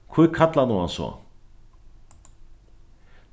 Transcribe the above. hví kallar tú hann so